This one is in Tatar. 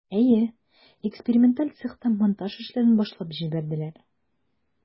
Әйе, эксперименталь цехта монтаж эшләрен башлап җибәрделәр.